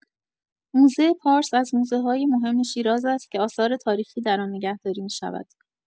موزه پارس از موزه‌های مهم شیراز است که آثار تاریخی در آن نگهداری می‌شود.